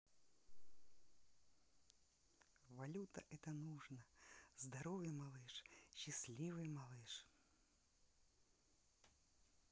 валюта это нужно здоровый малыш счастливый малыш